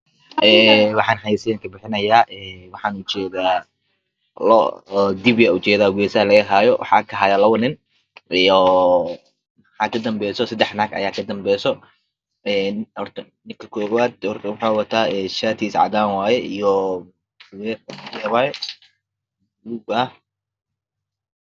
Ee waxaan xayeesin ka bixinayaa waxaan ujeeda lo oo dibi ayaa ujeeda oo hesaha laga haayo waxaa ka hayo laba nin iyoo waxa ka dembeeso sedax naag midak kobad shatigiisa cadaan waye